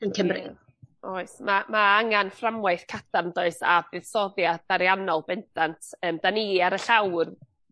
Yn Cymru. Oes ma' ma' angan fframwaith cadarn 'does a buddsoddiad ariannol bendant yym 'dan ni ar y llawr